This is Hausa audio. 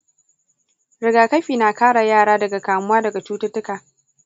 rigakafi na kare yara daga kamuwa daga cututtuka.